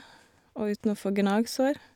Og uten å få gnagsår.